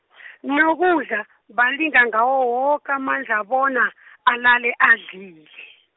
nokudla balinga ngawo woke amandla bona , alale adlile.